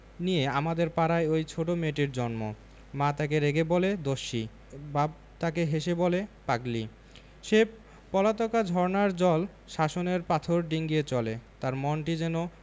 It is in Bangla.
নিয়ে আমাদের পাড়ায় ঐ ছোট মেয়েটির জন্ম মা তাকে রেগে বলে দস্যি বাপ তাকে হেসে বলে পাগলি সে পলাতকা ঝরনার জল শাসনের পাথর ডিঙ্গিয়ে চলে তার মনটি যেন